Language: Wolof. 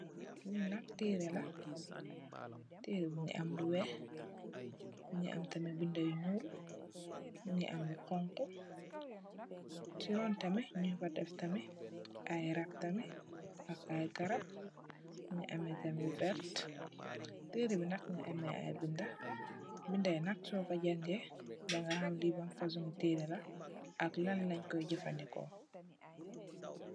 Lii nak terrela. Terrebi mungi am lu wekh mungi am tam binda yu nyul mungi am bu xonxu. Si ron tamit nyingfa deff tamit ayy ratt tamit ak ayy garab tamit Mungi ameh tamit lu vertt terre bi amm ayy binda, binda yii nak soko jangeh dinga ham lii ban fasson terrehla ak lan lenko jefandiko.